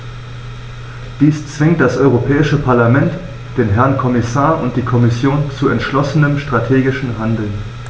Dies zwingt das Europäische Parlament, den Herrn Kommissar und die Kommission zu entschlossenem strategischen Handeln.